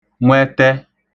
nwẹtẹ